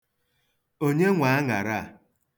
Onye nwe aṅara a?